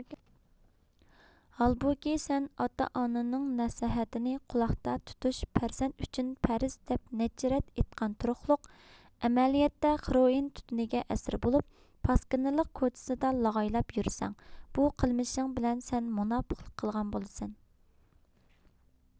ھالبۇكى سەن ئاتا ئانىنىڭ نەسىھەتىنى قۈلاقتا تۇتۇش پەرزەنت ئۈچۈن پەرز دەپ نەچچە رەت ئېيتقان تۇرۇقلۇق ئەمەلدە خىروئىن تۈتۈنىگە ئەسىر بولۇپ پاسكىنىلىق كوچىسىدا لاغايلاپ يۇرسەڭ بۇ قىلمىشىڭ بىلەن سەن مۇناپىقلىق قىلغان بولىسەن